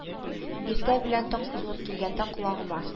Иртә белән, таң сызылып килгәндә, колагыма: